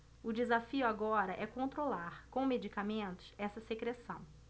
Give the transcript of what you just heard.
o desafio agora é controlar com medicamentos essa secreção